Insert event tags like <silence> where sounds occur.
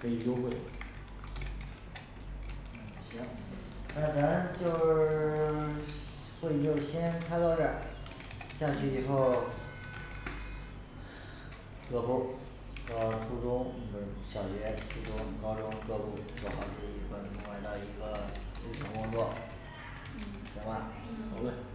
可以优惠嗯行那咱就是 <silence> 会就先开到这儿，下去以后各部儿呃初中就是、小学、初中、高中各部儿，做好自己本部门儿的一个日常工作行嗯吧好。嘞嗯